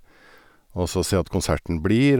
Og så se at konserten blir.